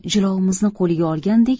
jilovimizni qo'liga olgandek